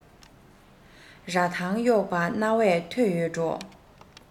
ར ཐང གཡོགས པ རྣ བས ཐོས ཡོད འགྲོ